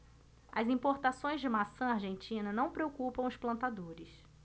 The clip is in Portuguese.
as importações de maçã argentina não preocupam os plantadores